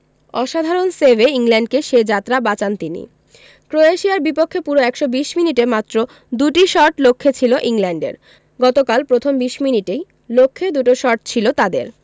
অসাধারণ সেভে ইংল্যান্ডকে সে যাত্রা বাঁচান তিনি ক্রোয়েশিয়ার বিপক্ষে পুরো ১২০ মিনিটে মাত্র দুটি শট লক্ষ্যে ছিল ইংল্যান্ডের গতকাল প্রথম ২০ মিনিটেই লক্ষ্যে দুটো শট ছিল তাদের